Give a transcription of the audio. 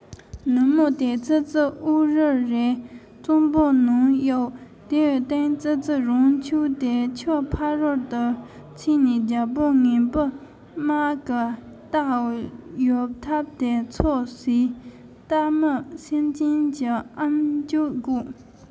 ནུབ མོ དེར ཙི ཙིས ཨོག རིལ རེ གཙང པོའི ནང གཡུག དེའི སྟེང ཙི ཙི རང མཆོངས ཏེ ཆུ ཕ རོལ དུ ཕྱིན ནས རྒྱལ པོ ངན པའི དམག གི རྟའི ཡོབ ཐག དེ ཚོ ཟས རྟ མི སེམས ཅན གྱི ཨམ ཅོག བཀོག